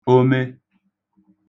ome